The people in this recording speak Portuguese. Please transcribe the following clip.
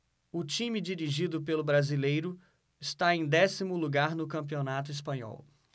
o time dirigido pelo brasileiro está em décimo lugar no campeonato espanhol